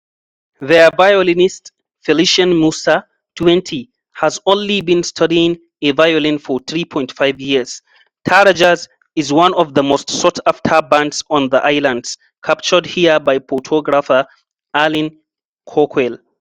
Their violinist, Felician Mussa, 20, has only been studying the violin for 3.5 years; TaraJazz is one of the most sought-after bands on the islands, captured here by photographer Aline Coquelle: